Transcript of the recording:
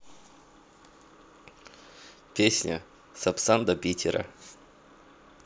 песня сапсан до питера